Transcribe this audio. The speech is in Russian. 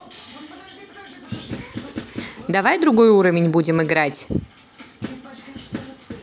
давай другой уровень будем играть